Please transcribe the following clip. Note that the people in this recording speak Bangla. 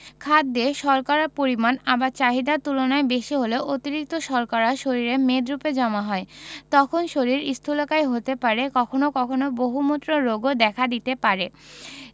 খাদ্যে শর্করার পরিমাণ আবার চাহিদার তুলনায় বেশি হলে অতিরিক্ত শর্করা শরীরে মেদরুপে জমা হয় তখন শরীর স্থুলকায় হতে পারে কখনো কখনো বহুমূত্র রোগও দেখা দিতে পারে